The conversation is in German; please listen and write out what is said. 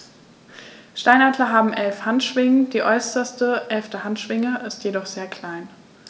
Steinadler haben 11 Handschwingen, die äußerste (11.) Handschwinge ist jedoch sehr klein.